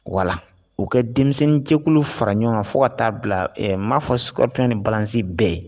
Wala u ka denmisɛnninjɛkulu fara ɲɔgɔn kan fo ka t' bila m ma fɔ s suti ni basi bɛɛ ye